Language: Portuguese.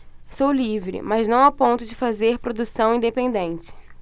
sou livre mas não a ponto de fazer produção independente